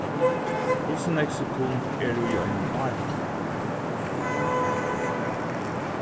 hvussu nógv sekund eru í einum ári